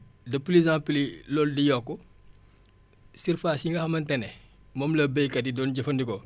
de plus en plus loolu di yokku surfaces yi nga xamante ne moom la béykat yi doon jëfandikoo